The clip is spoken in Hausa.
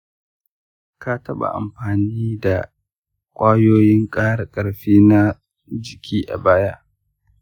ka taɓa amfani da kwayoyin ƙara ƙarfi na jiki a baya?